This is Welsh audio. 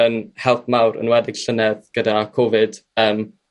yn help mawr enwedig llynedd gyda Cofid yym